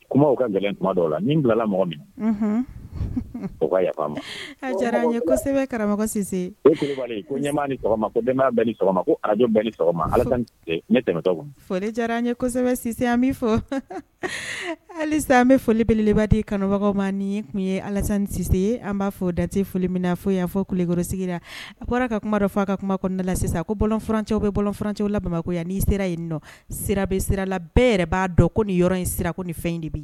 Kuma ka gɛlɛn la bilala mɔgɔ min karamɔgɔ an an bɛ fɔ halisa an bɛ folibeleba di kanubagaw ma ni tun ye alazsi ye an b'a fɔ dase foli min na fo y'a fɔ kulekɔrɔ sigira a ko ka kuma dɔ fɔ a ka kumada la sisan kocɛ bɛ fcɛ la bamakɔ yan n'i sera in nɔ sira bɛ sirala bɛɛ yɛrɛ b'a dɔn ko nin yɔrɔ in sira ko ni fɛn in de bi